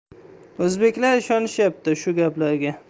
o'zbeklar ishonishyapti shu gaplarga